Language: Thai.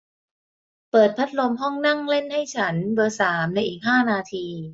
เปิดพัดลมห้องนั่งเล่นให้ฉันเบอร์สามในอีกห้านาที